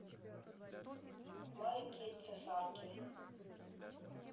маленькие цесарки